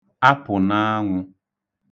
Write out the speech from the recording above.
apụ̀naanwụ̄